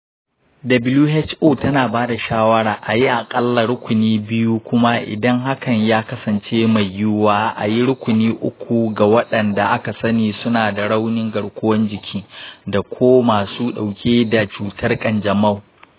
who tana ba da shawarar a yi aƙalla rukuni biyu, kuma idan hakan ya kasance mai yiwuwa, a yi rukuni uku ga waɗanda aka sani suna da raunin garkuwar jiki da/ko masu ɗauke da cutar kanjamau.